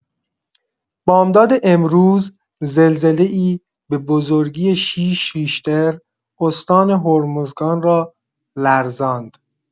بامداد امروز زلزله‌ای به بزرگی ۶ ریش‌تر استان هرمزگان را لرزاند.